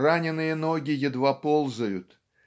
раненые ноги едва ползают